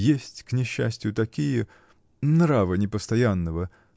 Есть, к несчастию, такие -- нрава непостоянного.